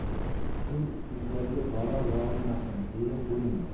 shu uylarga balo yog'ilmasin ziyrak bo'linglar